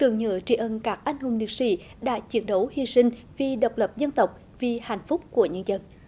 tưởng nhớ tri ân các anh hùng liệt sỹ đã chiến đấu hy sinh vì độc lập dân tộc vì hạnh phúc của nhân dân